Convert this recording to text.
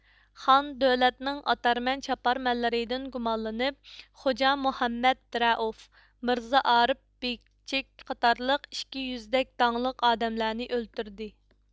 خان دۆلەتنىڭ ئاتارمەن چاپارمەنلىرىدىن گۇمانلىنىپ خوجامۇھەممەت رەئوف مىرزائارىپ بىكچىك قاتارلىق ئىككى يۈزدەك داڭلىق ئادەملەرنى ئۆلتۈردى